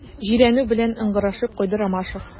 Җирәнү белән ыңгырашып куйды Ромашов.